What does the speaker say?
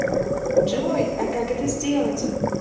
джой а как это сделать